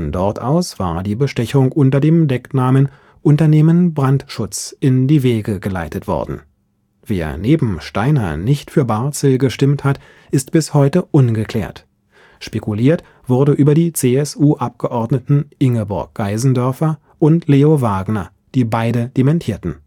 dort aus war die Bestechung unter dem Decknamen „ Unternehmen Brandtschutz “in die Wege geleitet worden. Wer neben Steiner nicht für Barzel gestimmt hat, ist bis heute ungeklärt. Spekuliert wurde über die CSU-Abgeordneten Ingeborg Geisendörfer und Leo Wagner, die beide dementierten